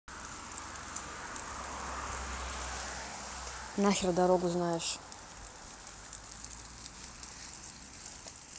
нахер дорогу знаешь